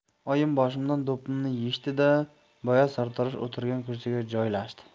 oyim boshimdan do'ppimni yechdi da boya sartarosh o'tirgan kursiga joylashdi